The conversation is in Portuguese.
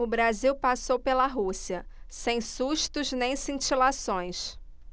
o brasil passou pela rússia sem sustos nem cintilações